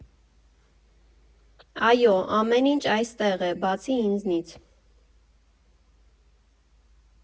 Այո՛, ամեն ինչ այստեղ է, բացի ինձնից։